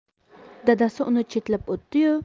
dadasi uni chetlab o'tdi yu